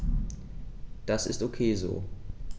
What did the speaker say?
Das ist ok so.